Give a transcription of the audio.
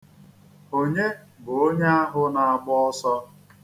Onye bụ onye ahụ na-agba ọsọ?